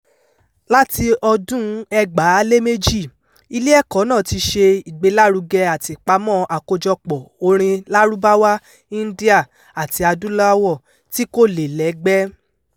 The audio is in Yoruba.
Láti ọdún-un 2002, ilé ẹ̀kọ́ náà ti ṣe ìgbélárugẹ àti ìpamọ́ àkójọpọ̀ orin Lárúbáwá, India àti Ilẹ̀ Adúláwọ̀ tí kò lẹ́lẹ́gbẹ́.